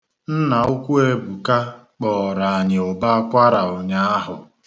Nnannukwu Ebuka kpọọrọ anyị ụbọakwara ụnyaahụ.